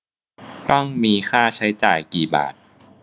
ต้องมีค่าใช้จ่ายกี่บาท